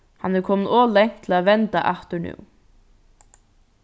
hann er komin ov langt til at venda aftur nú